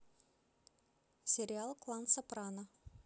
сериал клан сопрано